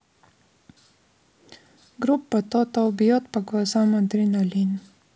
группа total бьет по глазам адреналин